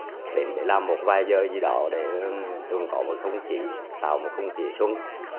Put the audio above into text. đến để làm một vài giờ gì đó để chúng có một không khí tạo một không khí xuân